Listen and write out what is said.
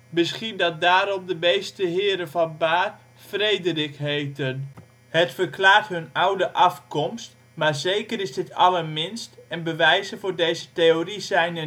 Misschien dat daarom de meeste heren van Baer " Frederik " heten. Het verklaart het hun oude afkomst, maar zeker is dit allerminst en bewijzen voor deze theorie zijn